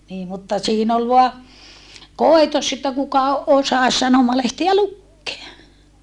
niin mutta siinä oli vain koitos että kuka osasi sanomalehtiä lukea